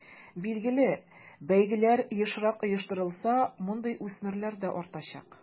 Билгеле, бәйгеләр ешрак оештырылса, мондый үсмерләр дә артачак.